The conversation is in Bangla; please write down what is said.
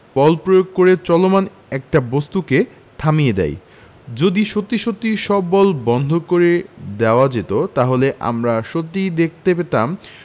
বল প্রয়োগ করে চলমান একটা বস্তুকে থামিয়ে দেয় যদি সত্যি সত্যি সব বল বন্ধ করে দেওয়া যেত তাহলে আমরা সত্যিই দেখতে পেতাম